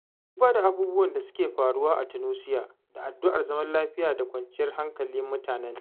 Duba da abubuwan da suke faruwa a #Tunisia da addu'ar zaman lafiya da kwanciyar hankalin mutanenta.